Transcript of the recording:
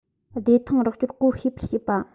བདེ ཐང རོགས སྐྱོར བཀོལ ཤེས པར བྱེད པ